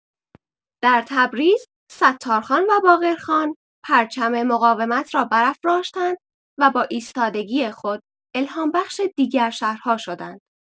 در تبریز ستارخان و باقرخان پرچم مقاومت را برافراشتند و با ایستادگی خود الهام‌بخش دیگر شهرها شدند.